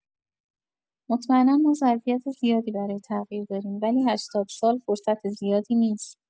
مطمئنا ما ظرفیت زیادی برای تغییر داریم ولی هشتاد سال فرصت زیادی نیست.